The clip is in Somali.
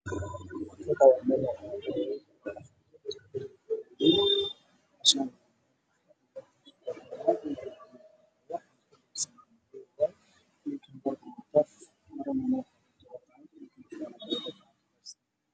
Waa niman qoraayo qod waa labo nin